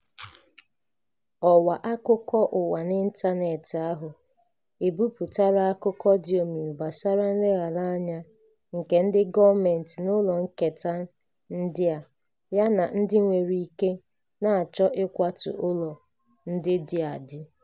Ọwa akụkọ ụwa n'ịntaneetị ahụ ebupụtaala akụkọ dị omimi gbasara nleghara anya nke ndị gọọmentị n'ụlọ nketa ndị a yana ndị nwere ike na-achọ ịkwatu ụlọ ndị dị adị: